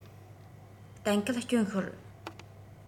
གཏན འཁེལ རྐྱོན ཤོར